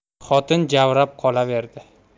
xotin javrab qolaverdi